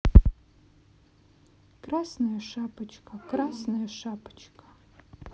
красная шапочка красная шапочка